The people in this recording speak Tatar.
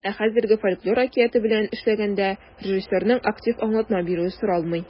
Ә хәзергә фольклор әкияте белән эшләгәндә режиссерның актив аңлатма бирүе соралмый.